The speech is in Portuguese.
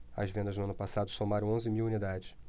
as vendas no ano passado somaram onze mil unidades